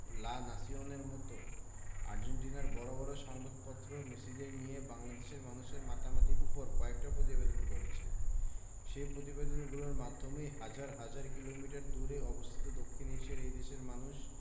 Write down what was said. লা নাসিওনে র মতো আর্জেন্টিনার বড় বড় সংবাদপত্র মেসিদের নিয়ে বাংলাদেশের মানুষের মাতামাতির ওপর কয়েকটা প্রতিবেদন করেছে সেই প্রতিবেদনগুলোর মাধ্যমেই হাজার হাজার কিলোমিটার দূরে অবস্থিত দক্ষিণ এশিয়ার এই দেশের মানুষ